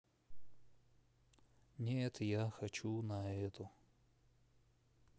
нет я хочу на эту